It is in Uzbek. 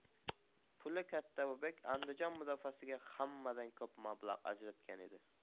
puli katta bu bek andijon mudofaasiga hammadan ko'p mablag' ajratgan edi